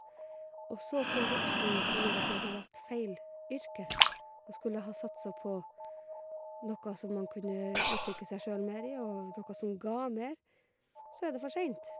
Og så som voksen finne ut at man har valgt feil yrke og skulle ha satsa på noe som man kunne uttrykke seg sjøl mer i og noe som ga mer, så er det for seint.